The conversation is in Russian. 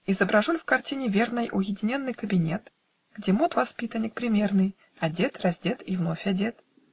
Изображу ль в картине верной Уединенный кабинет, Где мод воспитанник примерный Одет, раздет и вновь одет?